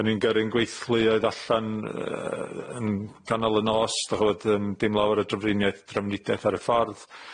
'Dan ni'n gyrru'n gweithluoedd allan yy yn ganol y nos 'dach ch'bod yym dim lawer o drafriniaeth drafnidiaeth ar y ffordd.